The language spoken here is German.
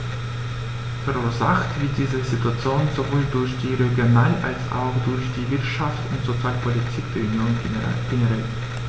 Verursacht wird diese Situation sowohl durch die Regional- als auch durch die Wirtschafts- und Sozialpolitik der Union generell.